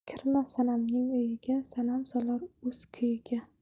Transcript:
kirma sanamning uyiga sanam solar o'z kuyiga